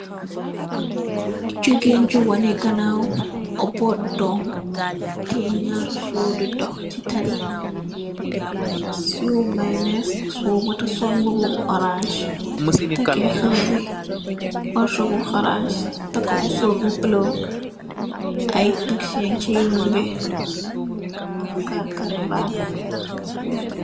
Gigain ju waneh ganaw bott dom teyeh nyarri seewo d doh see tali seewo maynaise ak seewo bota sol mbuba bu orance takeh haleh bi moso bu orance taka mbusorr bu blue i tax senj sey yoon bi ak karr kari mbam.